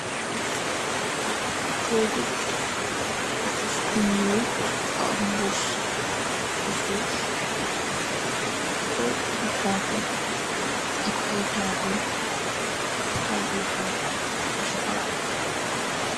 Tóógu ofis bu ñuul am mbuus ci suuf otto bu xonxu ak ay tabull, tabull yi xanxa bu sokola.